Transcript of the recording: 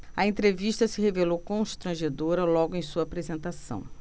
a entrevista se revelou constrangedora logo em sua apresentação